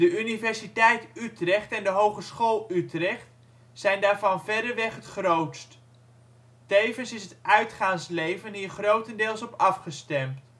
Universiteit Utrecht en de Hogeschool Utrecht zijn daarvan verreweg het grootst. Tevens is het uitgaansleven hier grotendeels op afgestemd